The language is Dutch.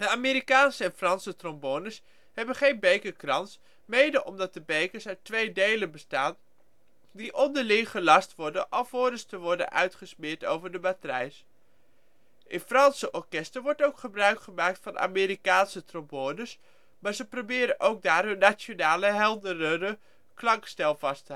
Amerikaanse en franse trombones hebben geen bekerkrans, mede omdat de bekers uit twee delen bestaan die onderling gelast worden alvorens te worden uitgesmeerd over de matrijs. In Franse orkesten wordt ook wel gebruikt gemaakt van de Amerikaanse trombones, maar ze proberen ook daar om hun nationale helderdere klankstijl vast